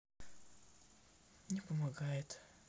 не помогает